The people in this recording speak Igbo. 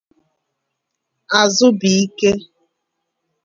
Àzụbụ̀ike